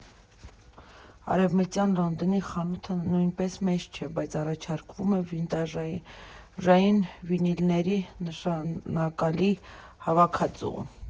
Արևմտյան Լոնդոնի խանութը նույնպես մեծ չէ, բայց առաջարկում է վինտաժային վինիլների նշանակալի հավաքածու։